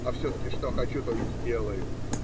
А все-таки что хочу, то и сделаю.